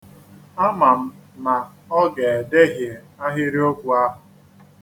Ama m na ọ ga-edehie ahịrịokwu ahụ.